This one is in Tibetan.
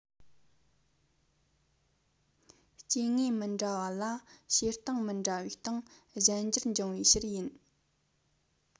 སྐྱེ དངོས མི འདྲ བ ལ བྱེད སྟངས མི འདྲ བའི སྟེང གཞན འགྱུར འབྱུང བའི ཕྱིར ཡིན